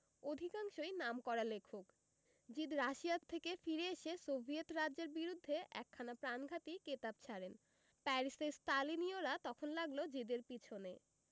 অধিকাংশই নামকরা লেখক জিদ রুশিয়া থেকে ফিরে এসে সোভিয়েট রাজ্যের বিরুদ্ধে একখানা প্রাণঘাতী কেতাব ছাড়েন প্যারিসের স্তালিনীয়রা তখন লাগল জিদের পেছনে